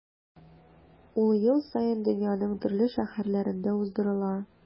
Ул ел саен дөньяның төрле шәһәрләрендә уздырыла.